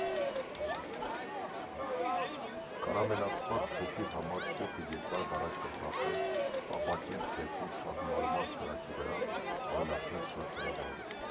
Կարամելացված սոխի համար սոխը երկար֊բարակ կտրատել, տապակել ձեթով շատ մարմանդ կրակկի վրա, ավելացնել շաքարավազ։